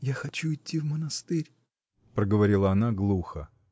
-- Я хочу идти в монастырь, -- проговорила она глухо.